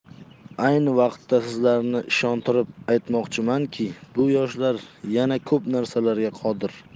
ayni vaqtda sizlarni ishontirib aytmoqchimanki bu yoshlar yana ko'p narsalarga qodir